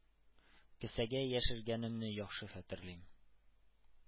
Кесәгә яшергәнемне яхшы хәтерлим.